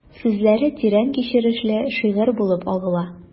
Сүзләре тирән кичерешле шигырь булып агыла...